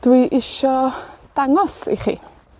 dwi isio dangos i chi.